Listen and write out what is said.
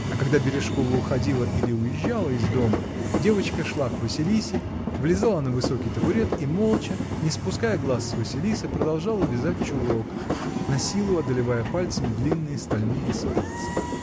А когда Бережкова уходила или уезжала из дома, девочка шла к Василисе, влезала на высокий табурет и молча, не спуская глаз с Василисы, продолжала вязать чулок, насилу одолевая пальцами длинные стальные спицы.